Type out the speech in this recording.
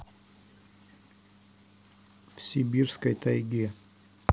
в сибирской тайге